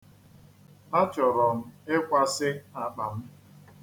Achọrọ m ịkwasị akpa m.